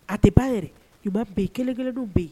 A tɛ ba yɛrɛ i ma bɛɛ kelen-kelen don bɛ yen